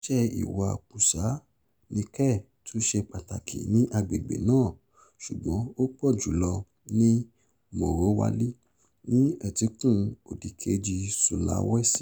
Iṣẹ́ ìwakùsà Nickel tún ṣe pàtàkì ní agbègbè náà, ṣùgbọ́n ó pọ̀ jùlọ ní Morowali, ní etíkun òdìkejì Sulawesi.